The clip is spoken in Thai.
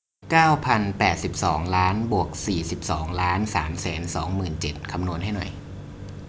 เก้าพันแปดสิบสองล้านบวกสี่สิบสองล้านสามแสนสองหมื่นเจ็ดคำนวณให้หน่อย